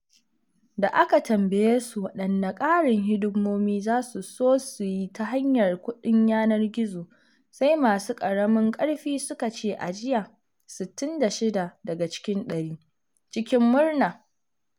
Da aka tambaye su waɗanne ƙarin hidimomi za su so su yi ta hanyar kuɗin yanar gizo, sai masu ƙaramin ƙarfi suka ce ajiya (66%) cikin murna.